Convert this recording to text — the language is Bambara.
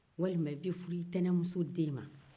walima i bɛ furu i tɛnɛmuso den ma